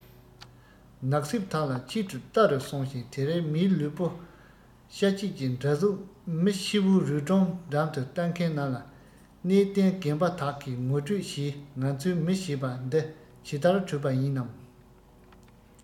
ནགས གསེབ དག ལ ཆེད དུ བལྟ རུ སོང ཞིང དེར མིའི ལུས པོ བཤའ དཔྱད ཀྱི འདྲ གཟུགས མི ཤི བོའི རུས སྒྲོམ འགྲམ དུ ལྟ མཁན རྣམས ལ གནས བརྟན རྒན པ དག གིས ངོ སྤྲོད བྱས ང ཚོའི མི ཞེས པ འདི ཇི ལྟར གྲུབ པ ཡིན ནམ